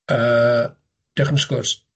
Yy dioch am sgwrs.